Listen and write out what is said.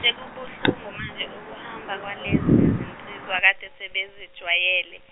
sekubuhlungu manje ukuhamba kwalezi zinsizwa kade sebezejwayele.